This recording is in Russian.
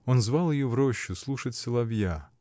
Он звал ее в рощу слушать соловья.